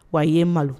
Wa i ye n malo